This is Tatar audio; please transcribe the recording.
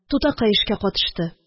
Тутакай эшкә катышты